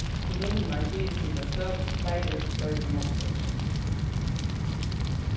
kommunurnar fyrisita støðugt fleiri og størri málsøki